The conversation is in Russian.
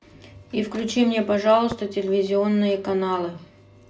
и включи мне пожалуйста телевизионные каналы